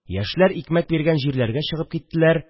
Яшьләр икмәк биргән җирләргә чыгып киттеләр